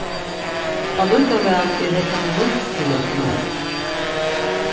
allíkavæl er hetta nýtt fyri okkum øll